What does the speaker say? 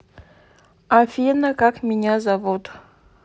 афина как меня зовут